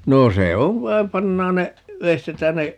no se on vain pannaan ne veistetään ne